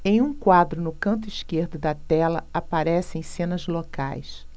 em um quadro no canto esquerdo da tela aparecem cenas locais